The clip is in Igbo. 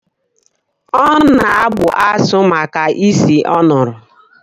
Ọ na-agbụ asụ maka ushi ọ nụrụ.